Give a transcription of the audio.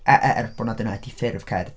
E- er bo' 'na dyna ydi ffurf cerdd.